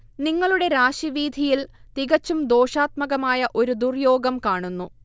നിങ്ങളുടെ രാശിവീഥിയിൽ തികച്ചും ദോഷാത്മകമായ ഒരു ദുർയോഗം കാണുന്നു